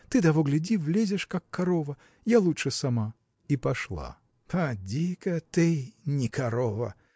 ты, того гляди, влезешь как корова! я лучше сама. И пошла. – Поди-ка ты, не корова!